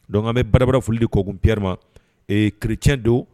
Don bɛ baarabarafili ko kun ppiprema ee kirec don